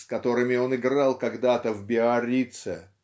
с которыми он играл когда-то в Биаррице